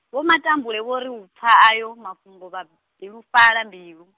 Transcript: Vho Matambule vho ri u pfa ayo mafhungo vha, bilufhala mbilu.